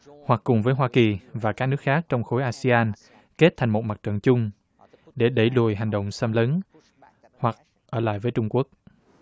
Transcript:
hoặc cùng với hoa kỳ và các nước khác trong khối a si an kết thành một mặt trận chung để đẩy lùi hành động xâm lấn hoặc ở lại với trung quốc